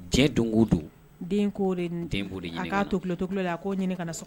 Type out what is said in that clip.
Cɛ don don den ko nin denko de a k'a to kilotola ye a ko ɲinin ka so